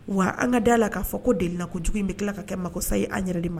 Wa an ka da la ka fɔ ko delina ko jugu in bi kila ka kɛ makosa ye an yɛrɛ de ma.